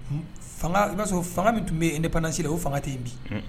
Unhun, fanga, i bi aa sɔrɔ, fanga min tun bɛ yen Independance la, o fanga tɛ yen bi., unhun.